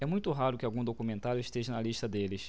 é muito raro que algum documentário esteja na lista deles